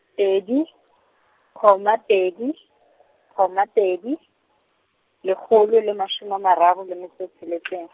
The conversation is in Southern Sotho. pedi, comma pedi , comma pedi, lekgolo le mashome a mararo, le metso e tsheletseng.